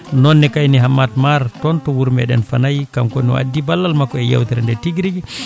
nonne kayne Hammat Mare toon to wuuro meɗen Fanayi kankone o addi ballal makko e yewtere nde tigui rigui